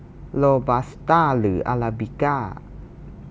โรบัสต้าหรืออาราบิก้า